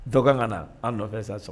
Dɔgɔ ka na an nɔfɛ san sɔrɔ